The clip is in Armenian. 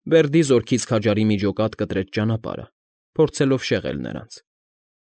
Բերդի զորքից քաջարի մի ջոկատ կտրեց ճանապարհը՝ փորձելով շեղել նրանց։